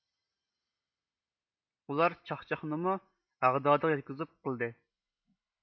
ئۇلار چاقچاقنىمۇ ھەغدادىغا يەتكۈزۈپ قىلدى